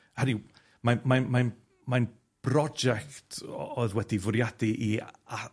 hynny yw, mae'n, mae'n, mae'n, mae'n broject o- o'dd wedi fwriadu i a-